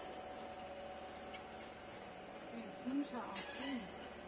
֊ Էն հունցա՞ ասում։